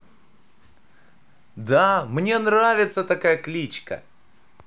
да мне нравится такая кличка